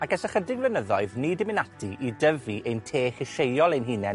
Ag ers ychydig flynyddoedd, ni 'di myn' ati i dyfu ein te llysieuol ein hunen